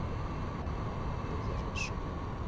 баклажан с шаблоном